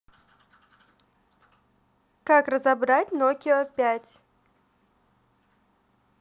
как разобрать нокио пять